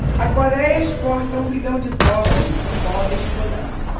a coréia exporta um bilhão de dólares em móveis por ano